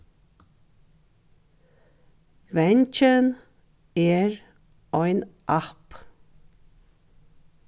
vangin er ein app